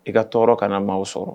I ka tɔɔrɔ ka na maaw sɔrɔ